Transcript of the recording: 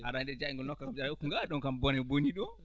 aɗa anndi jayngol nokka hokku ngaari ɗum kam bone bonii ɗon